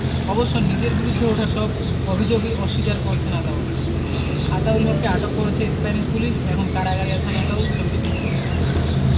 অবশ্য নিজের বিরুদ্ধে ওঠা সব অভিযোগই অস্বীকার করছেন আতাউল আতাউল হককে আটক করেছে স্প্যানিশ পুলিশ এখন কারাগারে আছেন আতাউল ছবিটি বিবিসির সৌজন্যে